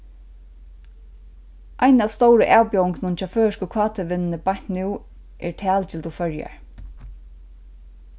ein av stóru avbjóðingunum hjá føroysku kt-vinnuni beint nú er talgildu føroyar